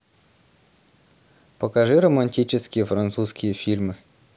покажи романтические французские фильмы